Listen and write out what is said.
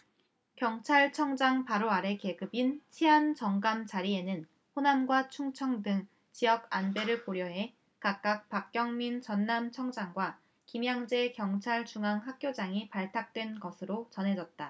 경찰청장 바로 아래 계급인 치안정감 자리에는 호남과 충청 등 지역 안배를 고려해 각각 박경민 전남청장과 김양제 경찰중앙학교장이 발탁된 것으로 전해졌다